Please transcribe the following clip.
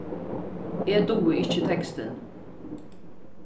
eg dugi ikki tekstin